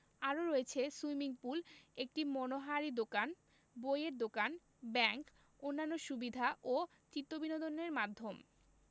আরও রয়েছে swimming pool একটি মনোহারী দোকান বইয়ের দোকান ব্যাংক অন্যান্য সুবিধা ও চিত্তবিনোদনের মাধ্যম